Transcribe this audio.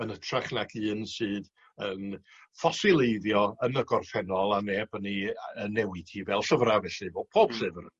yn ytrach nac un sydd yn ffosileiddio yn y gorffennol a neb 'yn i yy y newid hi fel llyfra felly bo' pob lyfr.